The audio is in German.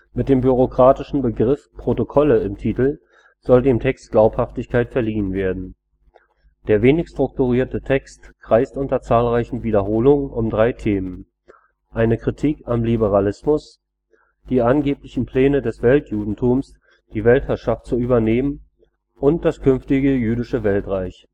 Mit dem bürokratischen Begriff „ Protokolle “im Titel soll dem Text Glaubhaftigkeit verliehen werden. Der wenig strukturierte Text kreist unter zahlreichen Wiederholungen um drei Themen: eine Kritik am Liberalismus, die angeblichen Pläne des Weltjudentums, die Weltherrschaft zu übernehmen, und das künftige jüdische Weltreich